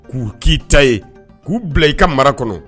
K'u k'i ta ye k'u bila i ka mara kɔnɔ